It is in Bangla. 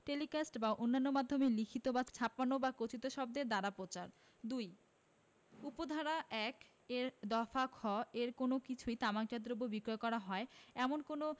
টেলিকাস্ট বা অন্যান্য মাধ্যমে লিখিত ছাপানো বা কথিত শব্দের দ্বারা প্রচার ২ উপ ধারা ১ এর দফা ঘ এর কোন কিছুই তামাকজাত দ্রব্য বিক্রয় করা হয় এমন কোন